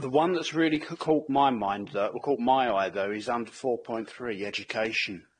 The the one that's really ca- caught my mind yy or caught my eye though is under four point three: education.